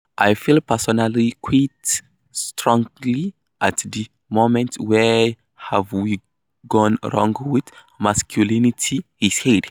I feel personally, quite strongly, at the moment - where have we gone wrong with masculinity?,' he said.